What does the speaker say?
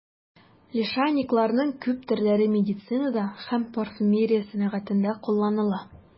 Лишайникларның күп төрләре медицинада һәм парфюмерия сәнәгатендә кулланыла.